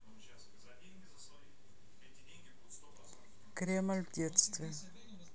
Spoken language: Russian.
кремль в детстве